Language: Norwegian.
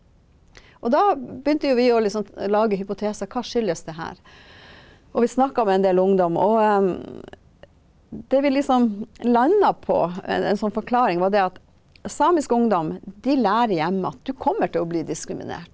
og da begynte jo vi å liksom lage hypoteser, hva skyldes det her, og vi snakka med en del ungdom og det vi liksom landa på, en en sånn forklaring var det at samisk ungdom de lærer hjemme at du kommer til å bli diskriminert.